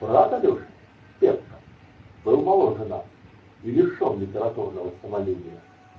Брат Алеши -- "Пепка" -- был моложе нас и лишен литературного самолюбия.